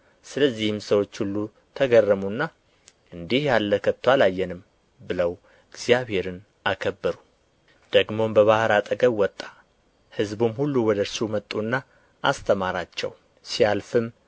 ስለዚህም ሰዎች ሁሉ ተገረሙና እንዲህ ያለ ከቶ አላየንም ብለው እግዚአብሔርን አከበሩ ደግሞም በባሕር አጠገብ ወጣ ሕዝቡም ሁሉ ወደ እርሱ መጡና አስተማራቸው ሲያልፍም